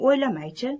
o'ylamay chi